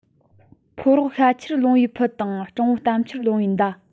ཕོ རོག ཤ ཁྱེར ལུང པའི ཕུ དང སྤྲང པོ གཏམ ཁྱེར ལུང པའི མདའ